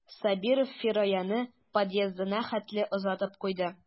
Сабиров Фираяны подъездына хәтле озатып куйды.